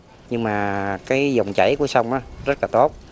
nhưng mà cái dòng chảy của sông á rất là tốt